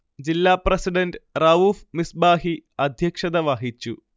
ജില്ല പ്രസിഡൻറ് റഊഫ് മിസ്ബാഹി അധ്യക്ഷത വഹിച്ചു